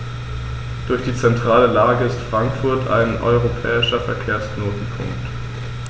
Durch die zentrale Lage ist Frankfurt ein europäischer Verkehrsknotenpunkt.